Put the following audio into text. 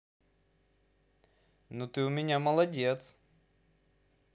ну ты у меня молодец